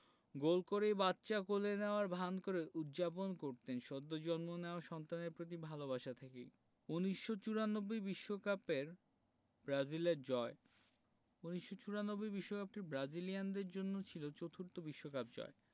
গোল করেই বাচ্চা কোলে নেওয়ার ভান করে উদ্ যাপন করতেন সদ্য জন্ম নেওয়া সন্তানের প্রতি ভালোবাসা থেকেই ১৯৯৪ বিশ্বকাপের ব্রাজিলের জয় ১৯৯৪ বিশ্বকাপটি ব্রাজিলিয়ানদের জন্য ছিল চতুর্থ বিশ্বকাপ জয়